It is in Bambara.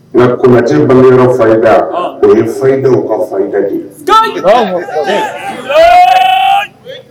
Nka koti baloyɔrɔ farin da o ye farin da ka farin da di